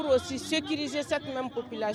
Si se kiriz sa ppila